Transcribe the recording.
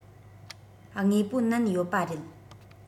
དངོས པོ བསྣན ཡོད པ རེད